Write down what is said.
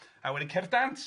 A wedyn cerdd dant